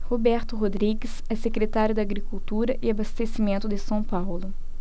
roberto rodrigues é secretário da agricultura e abastecimento de são paulo